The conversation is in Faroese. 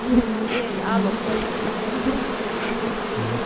eg eri álopsleikari